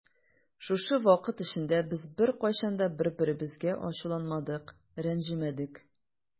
Шушы вакыт эчендә без беркайчан да бер-беребезгә ачуланмадык, рәнҗемәдек.